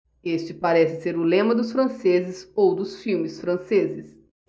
este parece ser o lema dos franceses ou dos filmes franceses